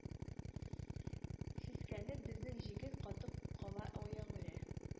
Сискәнеп, безнең Җегет катып кала аягүрә,